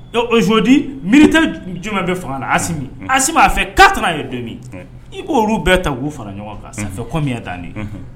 Donc aujourd'hui militaire j jumɛn be faŋa na Assimi unhun Assimi a fait 4 ans et demi oui i k'olu bɛɛ ta k'u fara ɲɔgɔn kan unhun ça fait combien d'années unhun